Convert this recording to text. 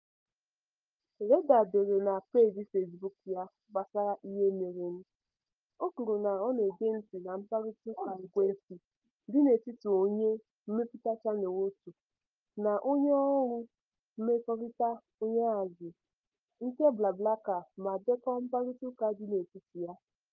Reyder dere na peeji Facebook ya gbasara ihe merenụ. O kwuru na ọ na-ege ntị na mkparịtaụka ekwentị dị n'etiti onye mmepụta Channel One na onyeọrụ mmekọrịta ọhanaeze nke BlaBlaCar ma dekọọ mkparịtaụka dị n'etiti ha: